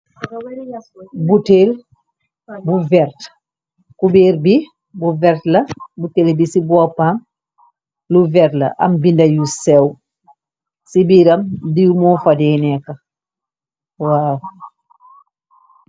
Butteel bu verte cu bér bi bu verte la cubir boppam lu verte la am binda yu séw ci biiram diiw moo fadeneeka waaw.